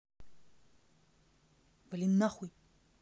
вали нахуй